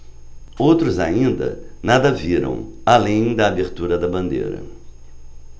outros ainda nada viram além da abertura da bandeira